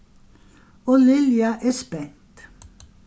og lilja er spent